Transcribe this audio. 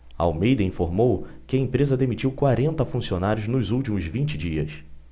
almeida informou que a empresa demitiu quarenta funcionários nos últimos vinte dias